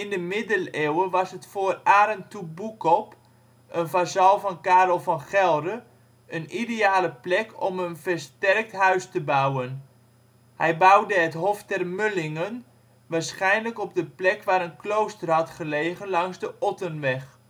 de Middeleeuwen was het voor Arent thoe Boecop – een vazal van Karel van Gelre - een ideale plek om een versterkt huis te bouwen. Hij bouwde het Hoff ter Mullingen. Waarschijnlijk op de plek waar een klooster had gelegen langs de Ottenweg